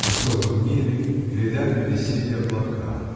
Высоко на небе рядами висели облака.